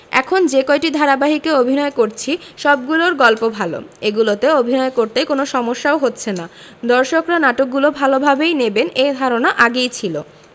এখন যে কয়টি ধারাবাহিকে অভিনয় করছি সবগুলোর গল্প ভালো এগুলোতে অভিনয় করতে কোনো সমস্যাও হচ্ছে না দর্শকরা নাটকগুলো ভালোভাবেই নেবেন এ ধারণা আগেই ছিল